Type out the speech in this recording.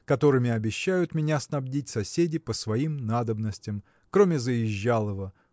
которыми обещают меня снабдить соседи по своим надобностям кроме Заезжалова